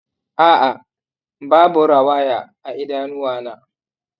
a’a, babu rawaya a idanuwana.